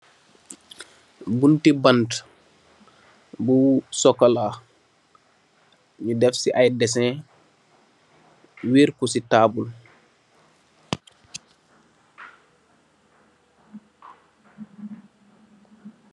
Bunti bant bu sokola ñi def ci ay deséé wér ko ci tabul.